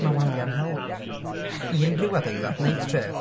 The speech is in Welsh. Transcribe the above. Ma' walia'n help i unryw adeilad, neu tref.